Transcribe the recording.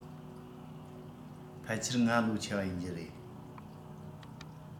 ཕལ ཆེར ང ལོ ཆེ བ ཡིན རྒྱུ རེད